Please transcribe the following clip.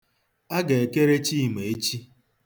A ga-aga ekere Chima echi.